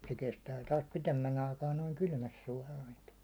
se kestää taas pidemmän aikaa noin kylmässä suolaantua